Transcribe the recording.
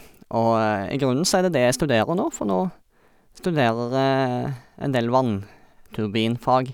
Og i grunnen så er det det jeg studerer nå, for nå studerer jeg en del vannturbinfag.